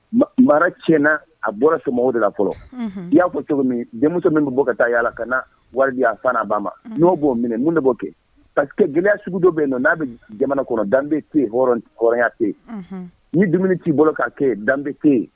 Mara ti na a bɔra somɔgɔw de la fɔlɔ i y'a fɔ cogo min denmuso min tun bɔ ka taa yalala ka wari a san ba ma n'o b'o minɛ de b'o kɛ pa kɛ gɛlɛya sugu dɔ yen n'a bɛ jamana kɔnɔ danbebe yenya pe yen ni dumuni t'i bolo ka yen danbebe pe yen